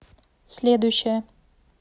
следующая